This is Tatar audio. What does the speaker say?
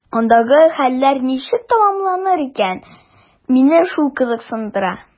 Андагы хәлләр ничек тәмамланыр икән – мине шул кызыксындыра.